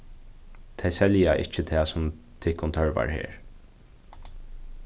tey selja ikki tað sum tykkum tørvar her